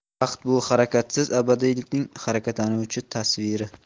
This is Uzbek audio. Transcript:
vaqt bu harakatsiz abadiylikning harakatlanuvchi tasviri